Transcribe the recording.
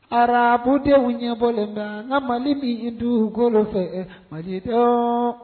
Araabudenw ɲɛbɔlen dɔ an ka Mali min duukolo fɛɛ Mali denw